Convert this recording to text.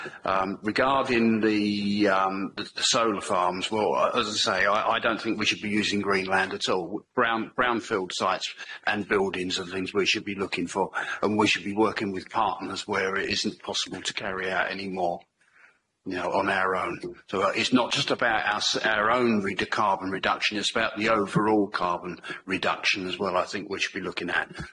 Um regarding the um the solar farms, well as I say I I don't think we should be using greenland at all brown- brownfield sites and buildings and things we should be looking for and we should be working with partners where it isn't possible to carry out any more, you know, on our own so it's not just about our s- own carbon reduction, it's about overall carbon reduction we should be looking at.